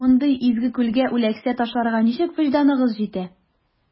Мондый изге күлгә үләксә ташларга ничек вөҗданыгыз җитә?